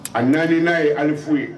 A 4 nan ye ali f'u ye.